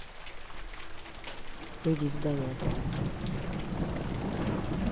выйди из задание